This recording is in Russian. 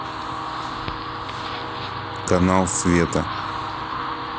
канал света